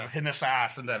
a'r hyn a'r llall ynde.